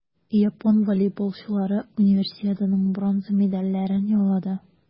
Япон волейболчылары Универсиаданың бронза медальләрен яулады.